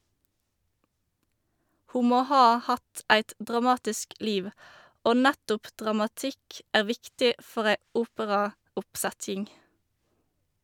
Ho må ha hatt eit dramatisk liv, og nettopp dramatikk er viktig for ei operaoppsetjing.